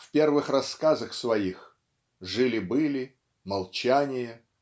В первых рассказах своих ("Жили-были" "Молчание"